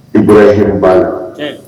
I bɔra ye hba la